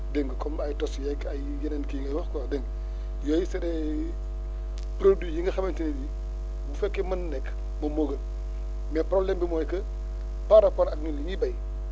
dégg nga comme ay tos yeeg ay yeneen kii ngay wax quoi dégg nga yooyu c' est des produit yi nga wxamante ne bi bu fekkee mën na nekk moom moo gën mais problème bi mooy que par rapport ak ñun li ñuy béy